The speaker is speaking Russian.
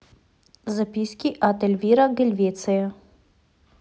записки от эльвира гельвеция